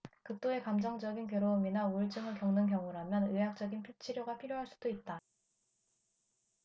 극도의 감정적인 괴로움이나 우울증을 겪는 경우라면 의학적인 치료가 필요할 수도 있다